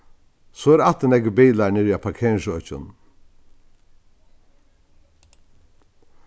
so eru aftur nógvir bilar niðri á parkeringsøkinum